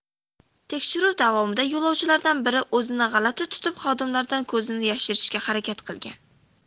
tekshiruv davomida yo'lovchilardan biri o'zini g'alati tutib xodimlardan ko'zini yashirishga harakat qilgan